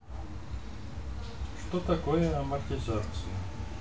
что такое амортизация